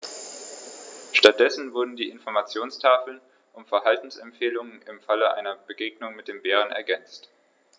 Stattdessen wurden die Informationstafeln um Verhaltensempfehlungen im Falle einer Begegnung mit dem Bären ergänzt.